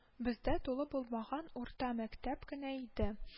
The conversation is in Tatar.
- бездә тулы булмаган урта мәктәп кенә иде